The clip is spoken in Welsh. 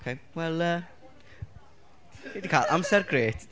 Ocei, wel yy fi 'di cael amser grêt!